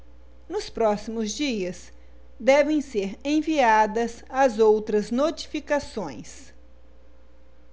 nos próximos dias devem ser enviadas as outras notificações